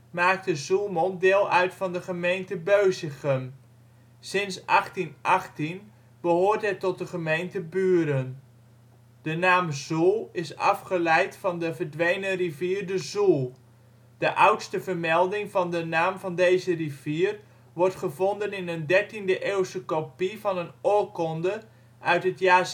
maakte Zoelmond deel uit van de gemeente Beusichem. Sinds 1818 behoort het tot de gemeente Buren. De naam Zoel is afgeleid van de verdwenen rivier De Zoel. De oudste vermelding van de naam van deze rivier wordt gevonden in een 13e eeuwse kopie van een oorkonde uit het jaar